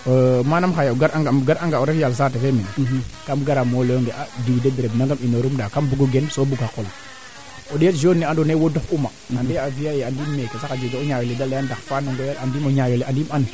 d' accord i ndeta nga boo ndiik no choix des parcelles aussi xaƴna coté nuun mbogee ndax nuuna mboga nowe andoo naye dena ngooxa maalo maalo fee te ref maalo sereer wala te ref maalo lakas